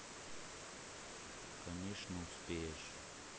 конечно успеешь